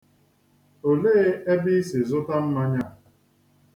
Olee ebe i si zụta mmanya a?